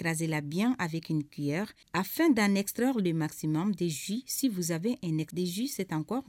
Raser la bien avec une cuillère afin d'en extraire le maximum de jus, si vous avez un de jus c'est encore